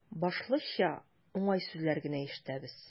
Башлыча, уңай сүзләр генә ишетәбез.